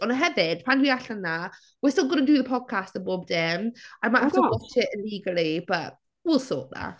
Ond hefyd pan dwi allan 'na, we're still going to do the podcast a bob dim. ... o god! ...I might have to watch it illegally, but we'll sort that.